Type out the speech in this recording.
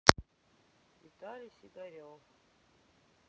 виталий сигарев